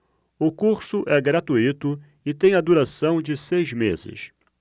o curso é gratuito e tem a duração de seis meses